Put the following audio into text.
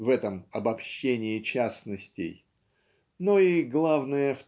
в этом обобщении частностей но и главное